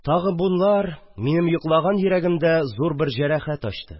Тагы бунлар минем йоклаган йөрәгемдә зур бер җәрәхәт ачты